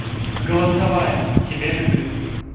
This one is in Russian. голосовая тебя люблю